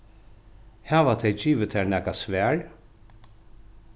hava tey givið tær nakað svar